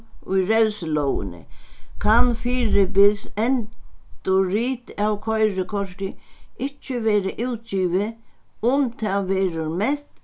í revsilógini kann fyribils endurrit av koyrikorti ikki verða útgivið um tað verður mett